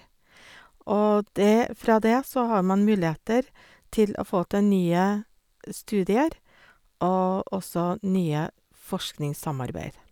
Og det fra det så har man muligheter til å få til nye studier, og også nye forskningssamarbeid.